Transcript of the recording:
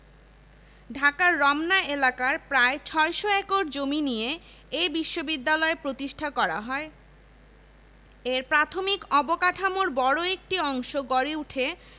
৩টি অনুষদের ৮৭৭ জন শিক্ষার্থীর মধ্যে ৩৮৬ জন ঢাকা শহীদুল্লাহ হলে ৩১৩ জন জগন্নাথ হলে এবং ১৭৮ জন সলিমুল্লাহ মুসলিম হলের আবাসিক